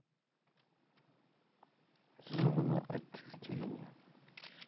зона отчуждения